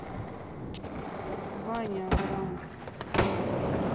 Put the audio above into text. ваня абрамов